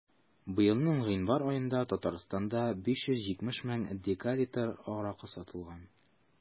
Быелның гыйнвар аенда Татарстанда 570 мең декалитр аракы сатылган.